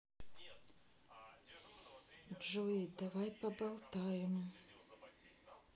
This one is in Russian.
джои давай поболтаем